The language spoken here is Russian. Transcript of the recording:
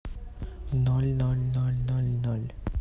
ноль ноль ноль ноль ноль